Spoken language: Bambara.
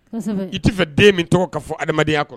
I t'i fɛ den min tɔgɔ ka fɔ adamadenya kɔnɔ